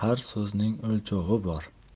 har so'zning o'lchovi bor